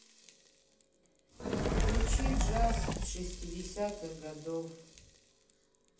включи джаз шестидесятых годов